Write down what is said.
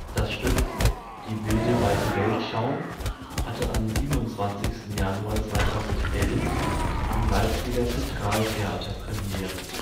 Das Stück Die WildeWeiteWeltSchau hatte am 27. Januar 2011 am Leipziger Centraltheater Premiere